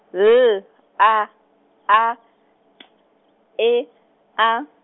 L A A T E A.